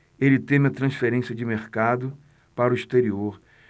ele teme a transferência de mercado para o exterior